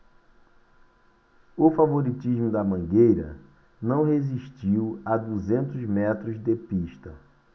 o favoritismo da mangueira não resistiu a duzentos metros de pista